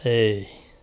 ei